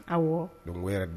Aw don wɛrɛ don